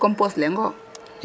compos leŋo